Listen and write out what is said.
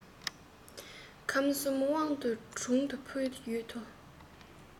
ཁམས གསུམ དབང འདུས དྲུང དུ ཕུལ ཡོད དོ